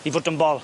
'I fwtwm bol.